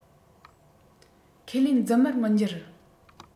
ཁས ལེན རྫུན མར མི འགྱུར